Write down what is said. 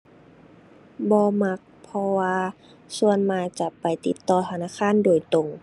บ่มัก เพราะว่า ส่วนมากจะไปติดต่อธนาคารโดยตรง